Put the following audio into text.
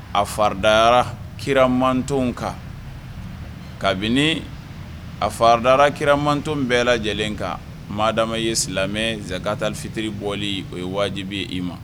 A faridayara kiramantɔn kan kabini a faridayara kiramantɔn bɛɛ lajɛlen kan maa o maa ye silamɛ zankatal fitiri bɔli o ye wajibibi i ma.